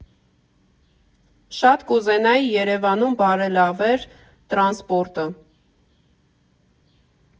Շատ կուզենայի Երևանում բարելավվեր տրանսպորտը։